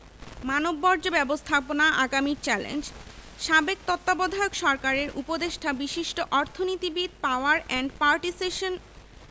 মানববর্জ্য ব্যবস্থাপনা আগামীর চ্যালেঞ্জ সাবেক তত্ত্বাবধায়ক সরকারের উপদেষ্টা বিশিষ্ট অর্থনীতিবিদ পাওয়ার অ্যান্ড পার্টিসেশন